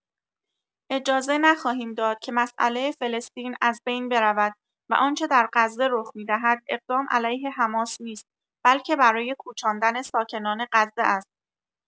اجازه نخواهیم داد که مساله فلسطین از بین برود و آنچه در غزه رخ می‌دهد اقدام علیه حماس نیست بلکه برای کوچاندن ساکنان غزه است.